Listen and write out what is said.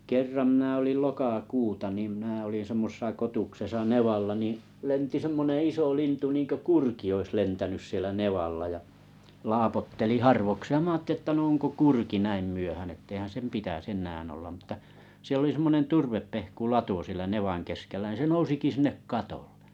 kerran minä olin lokakuuta niin minä olin semmoisessa kotuksessa nevalla niin lensi semmoinen iso lintu niin kuin kurki olisi lentänyt siellä nevalla ja laapotteli harvakseen minä ajattelin että no onko kurki näin myöhään että eihän sen pitäisi enää olla mutta siellä oli semmoinen turvepehkulato siellä nevan keskellä niin se nousikin sinne katolle